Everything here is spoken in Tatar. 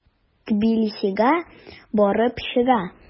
Тбилисига барып чыга.